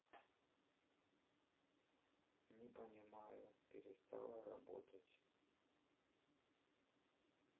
я не понимаю перестала работать